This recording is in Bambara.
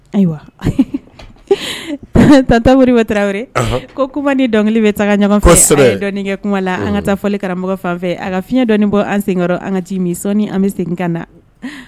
Ayiwa Tonton Modibo Traore ko kuma ni dɔnkili bɛ taga ɲɔgɔn fɛ. An ye dɔnni kɛ kuma la, an ka taa fɔli karamɔgɔ fan fɛ a ka fiɲɛ dɔɔni bɔ an sen kɔrɔ an ka ji mi sɔnni an bɛ segin ka na.